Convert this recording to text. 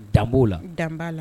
Ta'o la' la